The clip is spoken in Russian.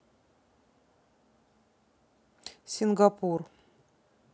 сингапур